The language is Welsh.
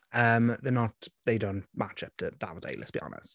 Yym they're not, they don't match up to Davide let's be honest.